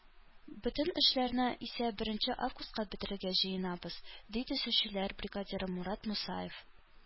Бөтен эшләрне исә беренче августка бетерергә җыенабыз, - ди төзүчеләр бригадиры Мурат Мусаев.